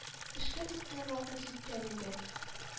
Эшкә тотыныр вакыт җиткән иде